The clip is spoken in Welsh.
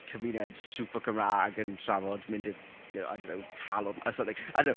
cymuned super Cymraeg yn trafod mynd i'r you know, I don't know Talwrn or something. I don't know.